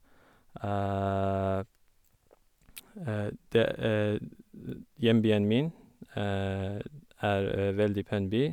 det Hjembyen min er veldig pen by.